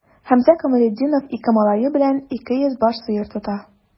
Хәмзә Камалетдинов ике малае белән 200 баш сыер тота.